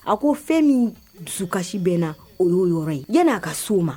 A ko fɛn min dusukasi bɛ na o y' yɔrɔ in n'a ka so o ma